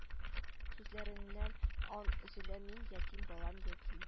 Сүзләреңнән ан өзелә мин ятим балам ятим